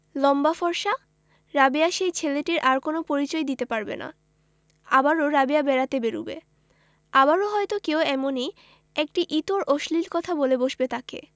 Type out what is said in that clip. লম্বা ফর্সা রাবেয়া সেই ছেলেটির আর কোন পরিচয়ই দিতে পারবে না আবারও রাবেয়া বেড়াতে বেরুবে আবারো হয়তো কেউ এমনি একটি ইতর অশ্লীল কথা বলে বসবে তাকে